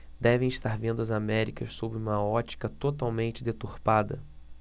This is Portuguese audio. devem estar vendo as américas sob uma ótica totalmente deturpada